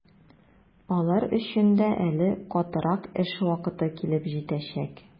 Алар өчен дә әле катырак эш вакыты килеп җитәчәк.